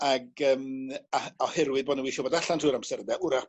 ag yym a oherwydd bo' n'w isio bod allan trw'r amser ynde 'w'rach